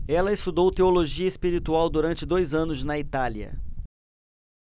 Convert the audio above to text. ela estudou teologia espiritual durante dois anos na itália